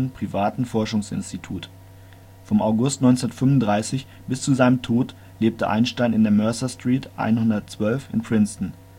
privatem Forschungsinstitut. Vom August 1935 bis zu seinem Tod lebte Einstein in der Mercer Street 112 in Princeton. Die Stadt bildete